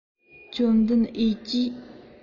བཅོམ ལྡན འས ཀྱིས